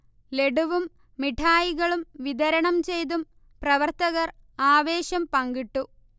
ലഡുവും മിഠായികളും വിതരണംചെയ്തും പ്രവർത്തകർ ആവേശം പങ്കിട്ടു